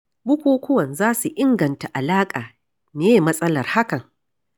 Bukukuwan za su inganta alaƙa, me ye matsalar hakan?